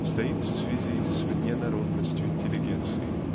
стоит в связи с вненародностью интеллигенции.